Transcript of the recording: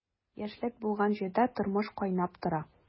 Яшьлек булган җирдә тормыш кайнап тора.